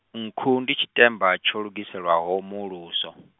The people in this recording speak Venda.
nkhu ndi tshitemba tsho lugiselwaho muuluso.